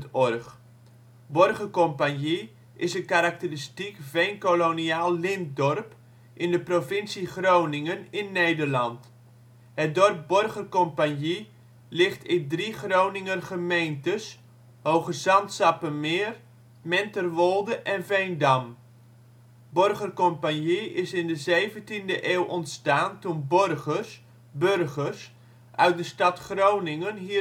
OL Borgercompagnie Plaats in Nederland Situering Provincie Groningen Gemeente Hoogezand-Sappemeer, Menterwolde en Veendam Coördinaten 53° 6′ NB, 6° 49′ OL Portaal Nederland Borgercompagnie (Gronings: Börkomnij) is een karakteristiek veenkoloniaal lintdorp in de provincie Groningen in Nederland. Het dorp Borgercompagnie ligt in drie Groninger gemeentes: Hoogezand-Sappemeer, Menterwolde en Veendam. Borgercompagnie is in de 17e eeuw ontstaan toen borgers (burgers) uit de stad Groningen